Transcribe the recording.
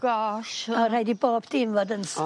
Gosh. A o' rhaid i bob dim fod yn s-...